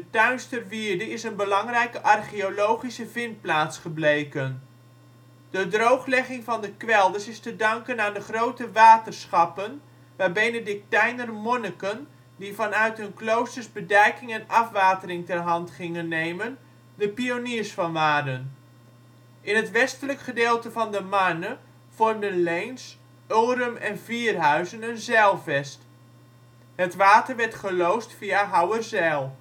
Tuinsterwierde is een belangrijke archeologische vindplaats gebleken. De drooglegging van de kwelders is te danken aan de grote waterschappen waar Benedictijner monniken die vanuit hun kloosters bedijking en afwatering ter hand gingen nemen de pioniers van waren. In het westelijk gedeelte van de Marne vormden Leens, Ulrum en Vierhuizen een zijlvest. Het water werd geloosd via Houwerzijl